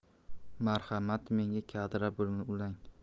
marhamat menga kadrlar bo'limini ulang